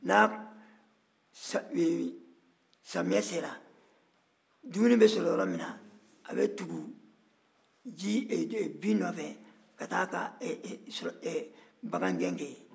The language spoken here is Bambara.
ni samiyan sera dumuni bɛ sɔrɔ yɔrɔ min na a bɛ tugu bin nɔfɛ ka taa a ka bagankɛ kɛ yen